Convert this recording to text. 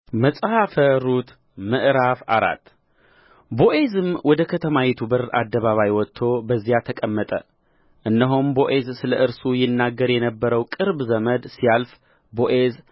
መጽሐፈ ሩት ምዕራፍ አራት ቦዔዝም ወደ ከተማይቱ በር አደባባይ ወጥቶ በዚያ ተቀመጠ እነሆም ቦዔዝ ስለ እርሱ ይናገር የነበረው የቅርብ ዘመድ ሲያልፍ ቦዔዝ